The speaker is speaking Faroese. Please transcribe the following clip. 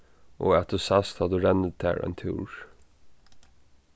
og at tú sæst tá tú rennur tær ein túr